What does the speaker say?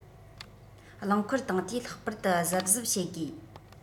རླངས འཁོར བཏང དུས ལྷག པར དུ གཟབ གཟབ བྱེད དགོས